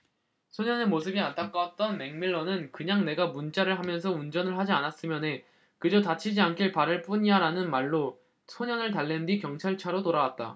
소년의 모습이 안타까웠던 맥밀런은 그냥 네가 문자를 하면서 운전을 하지 않았으면 해 그저 다치지 않길 바랄 뿐이야라는 말로 소년을 달랜 뒤 경찰차로 돌아왔다